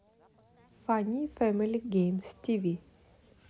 фанни фэмили геймс тиви